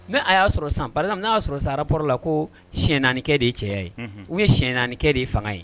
Ne a y'a sɔrɔ san la n y'a sɔrɔ sararap la ko sɛɛn naanikɛ de ye cɛ ye u ye siɛnkɛ de ye fanga ye